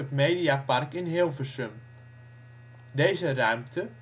Mediapark in Hilversum. Deze ruimte